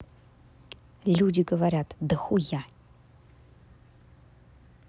люди говорят дохуя